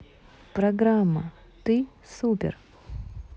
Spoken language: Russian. программа ты супер